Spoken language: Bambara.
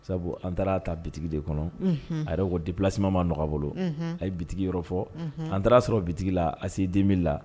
Sabu an taara ta bitigi de kɔnɔ a yɛrɛ dilasima ma nɔgɔ bolo a ye bi yɔrɔ fɔ an taara sɔrɔ bitigila a se den la